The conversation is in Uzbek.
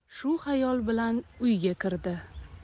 shu xayol bilan uyga kirdi